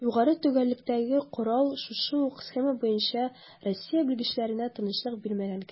Югары төгәллектәге корал шушы ук схема буенча Россия белгечләренә тынычлык бирмәгән кебек: